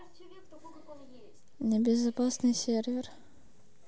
небезопасный сервер